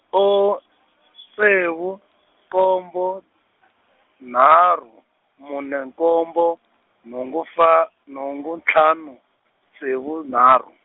o , ntsevu, nkombo , nharhu, mune nkombo, nhungu fa nhungu ntlhanu, tsevu nharhu.